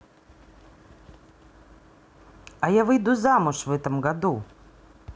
а я выйду замуж в этом году